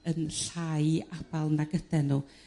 yn llai abal nag ydan nhw.